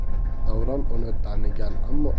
davron uni tanigan ammo